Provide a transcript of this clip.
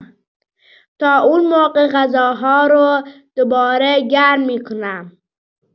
تا اون موقع غذاها رو دوباره گرم می‌کنم.